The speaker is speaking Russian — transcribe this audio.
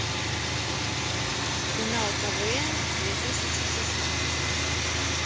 финал квн две тысячи шестнадцать